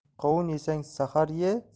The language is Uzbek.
qovun yesang sahar ye